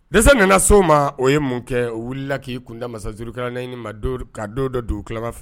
Dɛsɛ nana se o ma, o ye mun kɛ? O wulilala k'i kunda masa Zulukaranaani ma don. dɔ ka don dɔ dugu kalama fɛ